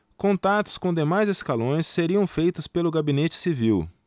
contatos com demais escalões seriam feitos pelo gabinete civil